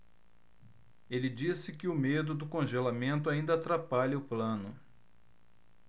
ele disse que o medo do congelamento ainda atrapalha o plano